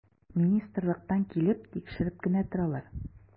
Министрлыктан килеп тикшереп кенә торалар.